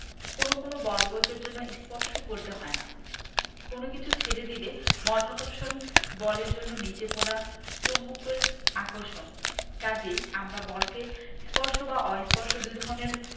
কোনো কোনো বল পয়োগের জন্য স্পর্শ করতে হয় না কোনো কিছু ছেড়ে দিলে মধ্যাকর্ষণ বলের জন্য নিচে পড়া চুম্বকের আকর্ষণ কাজেই আমরা বলকে স্পর্শ বা অস্পর্শ দুই ধরনের